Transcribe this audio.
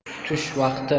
tush vaqti